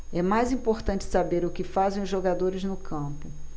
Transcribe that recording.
é mais importante saber o que fazem os jogadores no campo